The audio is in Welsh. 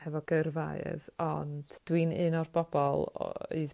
hefo gyrfaoedd ond dwi'n un o'r bobol oedd